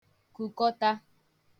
kùkọta